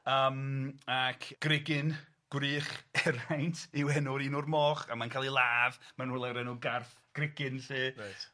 Yym ac Grugin, gwrych eraint yw enw'r un o'r moch, a mae'n ca'l 'i ladd, ma' 'na rwle o'r enw Garth Grugin 'lly. Reit.